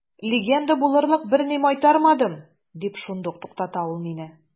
Легенда булырлык берни майтармадым, – дип шундук туктата ул мине.